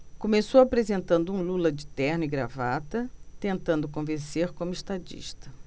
começou apresentando um lula de terno e gravata tentando convencer como estadista